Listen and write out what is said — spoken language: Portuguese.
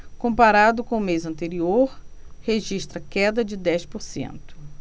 comparado com o mês anterior registra queda de dez por cento